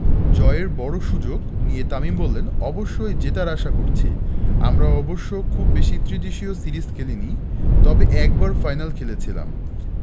জয়ের বড় সুযোগ নিয়ে তামিম বললেন অবশ্যই জেতার আশা করছি আমরা অবশ্য খুব বেশি ত্রিদেশীয় সিরিজ খেলেনি তবে একবার ফাইনাল খেলেছিলাম